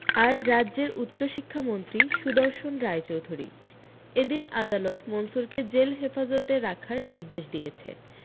আর রাজ্যের উচ্চশিক্ষা মন্ত্রী সুদর্শন রায়চৌধুরী এদিন আদালত মনসুরকে জেল হেফাজতে রাখার নির্দেশ দিয়েছে